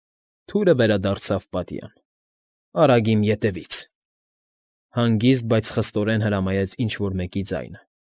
Թուրը վերադարձավ պատյան։ ֊ Արա՛գ, իմ ետևի՜ց,֊ հանգիստ, բայց խստորեն հրամայեց ինչ֊որ մեկի ձայնը։